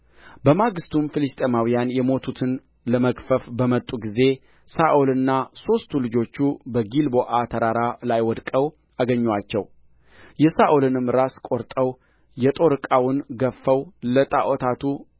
በማግሥቱም ፍልስጥኤማውያን የሞቱትን ለመግፈፍ በመጡ ጊዜ ሳኦልና ሦስቱ ልጆቹ በጊልቦዓ ተራራ ላይ ወድቀው አገኙአቸው የሳኦልንም ራስ ቈረጠው የጦር ዕቃውን ገፍፈው ለጣዖታቱ